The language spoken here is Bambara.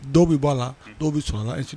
Dɔw bɛ bɔ a la dɔw bɛ siri